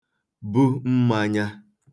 bu mmānyā